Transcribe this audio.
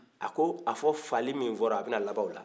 a ko a fɔ faga min fɔra a bɛ na laban o la